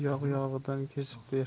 yog' yog'idan kesib ber